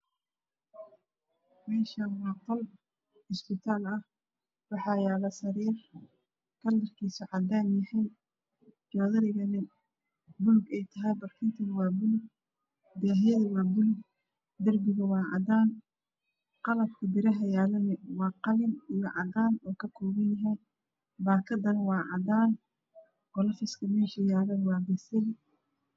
Meshaan waa qol isbitaal ah waxaa yaalo sarir kalarkiisa cadaan yahay, joodarigana buulug ah, barkintana waa baluug, daahyada waa baluug, darbiga waa cadaan, qalabka biraha yaalini waa qalin iyo cadaaan oo ka kooban yahay baakadana waaa cadaan kalofiska mesha yaaalo waa baluug